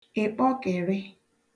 ị̀kpọkị̀rị